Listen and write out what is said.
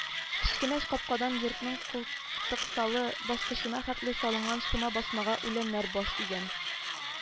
Кечкенә капкадан йортның култыксалы баскычына хәтле салынган шома басмага үләннәр баш игән